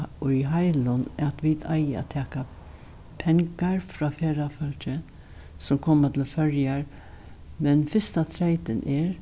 í heilum at vit eiga at taka pengar frá ferðafólki sum koma til føroyar men fyrsta treytin er